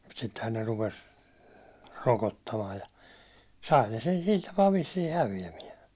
mutta sittenhän ne rupesi rokottamaan ja sai ne sen sillä tapaa vissiin häviämään